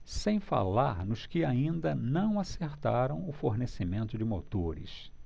sem falar nos que ainda não acertaram o fornecimento de motores